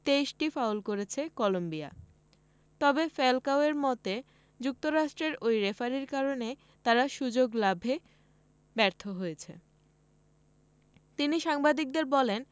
২৩টি ফাউল করেছে কলম্বিয়া তবে ফ্যালকাওয়ের মতে যুক্তরাষ্ট্রের ওই রেফারির কারণে তারা সুযোগ লাভে ব্যর্থ হয়েছে তিনি সাংবাদিকদের বলেন